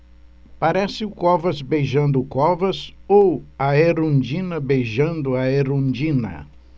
parece o covas beijando o covas ou a erundina beijando a erundina